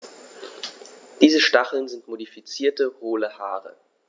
Diese Stacheln sind modifizierte, hohle Haare.